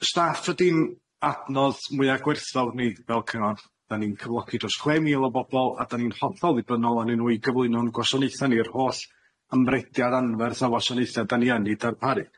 Staff ydi'n adnodd mwya gwerthfawr ni fel cyngor, 'dan ni'n cyflogi dros chwe mil o bobol a 'dan ni'n hollol ddibynnol anyn n'w i gyflwyno'n gwasanaetha ni yr holl ymrediad anferth o wasanaetha 'dan ni yn 'i darparu.